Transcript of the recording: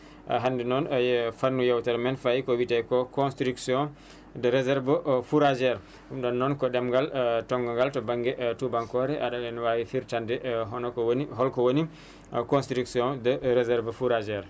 hannde noon fannu yewtere men faayi ko wiite ko construction de réserve fourragère ɗum ɗon noon ko ɗemngal tongangal to banŋnge tubankore aɗa en wawi firtande hono ko woni holko woni construction de réserve fourragère